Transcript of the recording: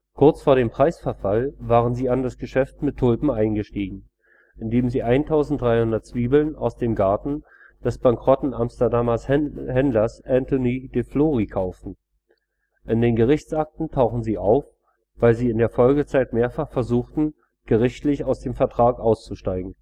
Kurz vor dem Preisverfall waren sie in das Geschäft mit Tulpen eingestiegen, indem sie 1.300 Zwiebeln aus dem Garten des bankrotten Amsterdamer Händlers Anthony de Flory kauften. In den Gerichtsakten tauchen sie auf, weil sie in der Folgezeit mehrfach versuchten, gerichtlich aus dem Vertrag auszusteigen